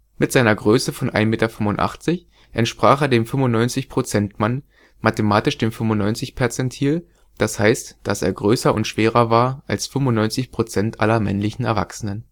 Mit seiner Größe von 1,85 m entsprach er dem „ 95-Prozent-Mann “, mathematisch dem 95-Perzentil, das heißt, dass er größer und schwerer war als 95 % aller männlichen Erwachsenen